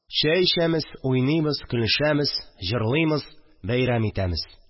Чәй эчәмез, уйнымыз, көлешәмез, җырлымыз, бәйрәм итәмез